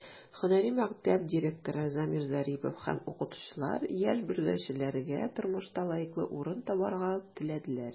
Һөнәри мәктәп директоры Замир Зарипов һәм укытучылар яшь белгечләргә тормышта лаеклы урын табарга теләделәр.